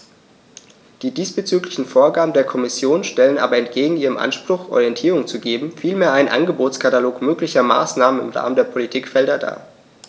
Die diesbezüglichen Vorgaben der Kommission stellen aber entgegen ihrem Anspruch, Orientierung zu geben, vielmehr einen Angebotskatalog möglicher Maßnahmen im Rahmen der Politikfelder dar.